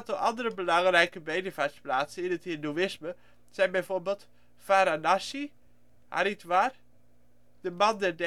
andere belangrijke bedevaartsplaatsen in het Hindoeïsme zijn bijvoorbeeld Varanasi, Haridwar, de Mandher